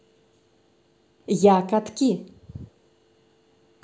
я катки